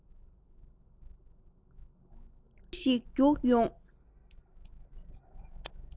སློབ བུ ཞིག བརྒྱུགས ཡོང